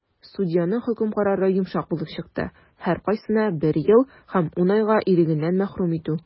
Судьяның хөкем карары йомшак булып чыкты - һәркайсына бер ел һәм 10 айга ирегеннән мәхрүм итү.